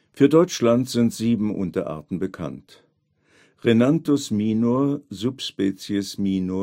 Für Deutschland sind sieben Unterarten bekannt: Rhinanthus minor subsp. minor